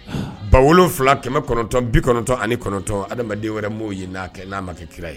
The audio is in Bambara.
Ba wolonwula kɛmɛ kɔnɔntɔn bi kɔnɔntɔn ani kɔnɔntɔn adamaden wɛrɛ m'o ye n'a ma kɛ kira ye